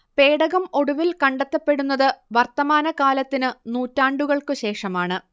പേടകം ഒടുവിൽ കണ്ടെത്തപ്പെടുന്നത് വർത്തമാനകാലത്തിന് നൂറ്റാണ്ടുകൾക്ക് ശേഷമാണ്